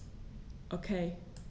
Okay.